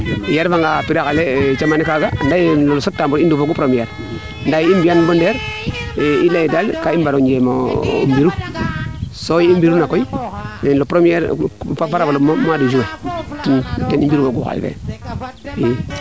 i a refa nga a kiraxa le camano kaaga ande no septembre i ndefoogu premier :Franda ye i mbiyan boo ndeer i ley daal ka i mbaro njeem o mbi in so ye i ngiruna koy no premier no mois de juin ten i ngirwwogu xaaj fee i